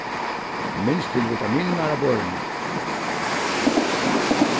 minst til vitaminirnar á borðinum